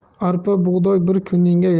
arpa bug'doy bir kuningga